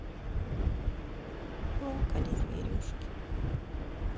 плакали зверюшки